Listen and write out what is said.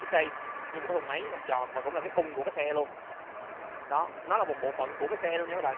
cái case nguyên cái thùng máy hình tròn và cũng là cái khung của cái xe luôn nó là bộ phận của cái xe luôn nha các bạn